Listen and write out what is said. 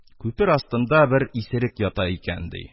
Күпер астында бер исерек ята икән, ди.